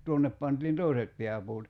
tuonne pantiin toiset pääpuut